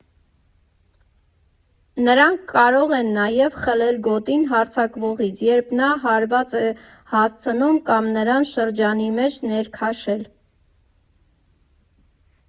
Նրանք կարող են նաև խլել գոտին հարձակվողից, երբ նա հարված է հասցնում կամ նրան շրջանի մեջ ներքաշել։